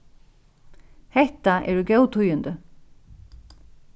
hetta eru góð tíðini